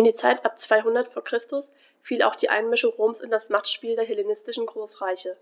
In die Zeit ab 200 v. Chr. fiel auch die Einmischung Roms in das Machtspiel der hellenistischen Großreiche: